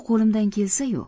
qoiimdan kelsa yu